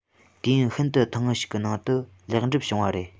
དུས ཡུན ཤིན ཏུ ཐུང ངུ ཞིག གི ནང དུ ལེགས གྲུབ བྱུང བ རེད